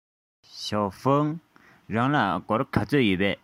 ཞའོ ཧྥང རང ལ སྒོར ག ཚོད ཡོད པས